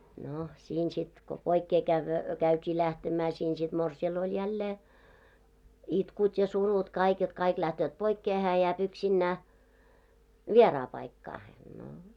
no siinä sitten kun poikkeen - käytiin lähtemään siinä sitten morsiamella oli jälleen itkut ja surut kaikki jotta kaikki lähtevät poikkeen hän jää yksinään vieraan paikkaan no